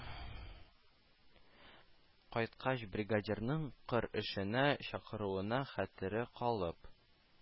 Кайткач, бригадирның кыр эшенә чакыруына хәтере калып: